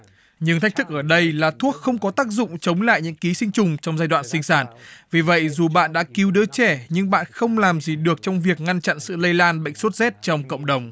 nhưng thách thức ở đây là thuốc không có tác dụng chống lại những ký sinh trùng trong giai đoạn sinh sản vì vậy dù bạn đã cứu đứa trẻ nhưng bạn không làm gì được trong việc ngăn chặn sự lây lan bệnh sốt rét trong cộng đồng